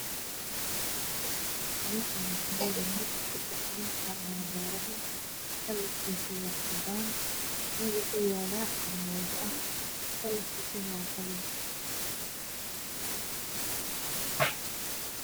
Meshaan waxaa inoo yaalo gazac oo cana poora ah kaalrkiisau waa cadaan meel waxuu yalaa armaajo ah kalarkiisna waa qalin